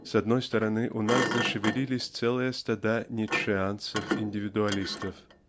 С одной стороны у нас зашевелились целые стада ницшеанцев-индивидуалистов